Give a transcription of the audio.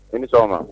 I ni sɔn sɔgɔma